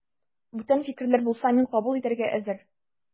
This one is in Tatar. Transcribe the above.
Бүтән фикерләр булса, мин кабул итәргә әзер.